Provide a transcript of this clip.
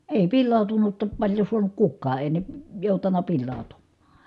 ei pilaantunutta paljon saanut kukaan ei ne joutanut pilaantumaan